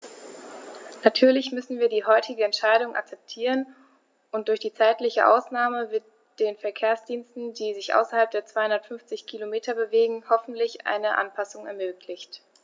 Natürlich müssen wir die heutige Entscheidung akzeptieren, und durch die zeitliche Ausnahme wird den Verkehrsdiensten, die sich außerhalb der 250 Kilometer bewegen, hoffentlich eine Anpassung ermöglicht.